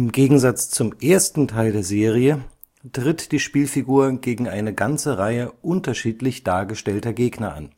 Gegensatz zum ersten Teil der Serie, tritt die Spielfigur gegen eine ganze Reihe unterschiedlich dargestellter Gegner an